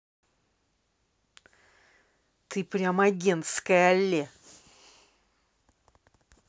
ты прям агентская алле